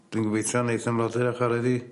Dwi'n gobeitho neith y chware ddi...